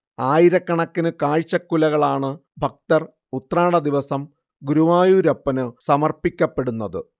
ആയിരക്കണക്കിന് കാഴ്ചക്കുലകളാണ് ഭക്തർ ഉത്രാട ദിവസം ഗുരുവായൂരപ്പന് സമർപ്പിക്കപ്പെടുന്നത്